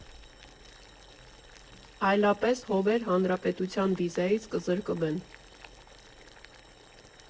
Այլապես «Հովեր» հանրապետության վիզայից կզրկվեն։